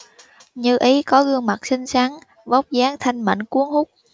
như ý có gương mặt xinh xắn vóc dáng thanh mảnh cuốn hút